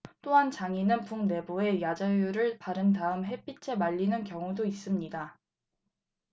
또한 장인은 북 내부에 야자유를 바른 다음 햇빛에 말리는 경우도 있습니다